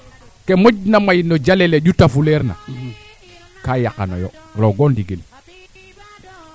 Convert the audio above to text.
d' accord no coté meteo fee fo na suta ti nong ndiing fe aussi nu naange njega teen probleme